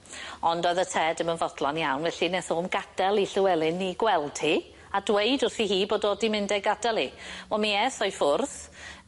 ond oedd y ted ddim yn fodlon iawn felly neth o'm gad'el i Llywelyn 'i gweld hi a dweud wrthi hi bod o 'di mynd a'i gad'el 'i. Wel mi eth o i ffwrdd